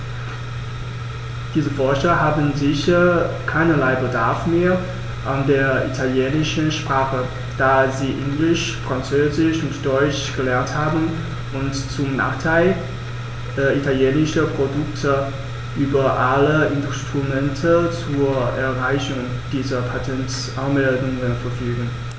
Diese Forscher haben sicher keinerlei Bedarf mehr an der italienischen Sprache, da sie Englisch, Französisch und Deutsch gelernt haben und, zum Nachteil italienischer Produkte, über alle Instrumente zur Einreichung dieser Patentanmeldungen verfügen.